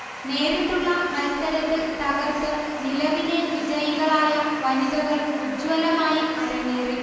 നേരിട്ടുള്ള മത്സരത്തില് തകര്ത്ത് നിലവിലെ വിജയികളായ വനിതകള് ഉജ്വലമായി അരങ്ങേറി